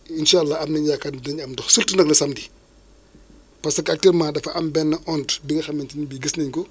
incha allah am nañu yaakaar ni dinañ am ndox surtout nag le samedi parce que actuellement dafa am benn onde bi nga xamante ni bi gis nañ ko